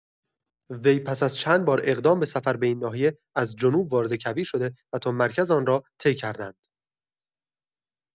وی پس از چند بار اقدام به سفر به این ناحیه، از جنوب وارد کویر شده و تا مرکز آن را طی کردند.